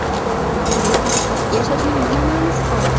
unday bo'lsa yashashning nima manisi qoldi